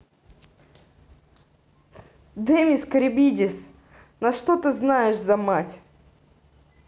демис карибидис на что ты знаешь за мать